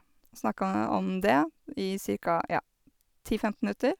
Og snakke om det i cirka, ja, ti femten minutter.